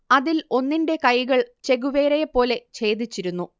അതിൽ ഒന്നിന്റെ കൈകൾ ചെഗുവേരയെപ്പോലെ ഛേദിച്ചിരുന്നു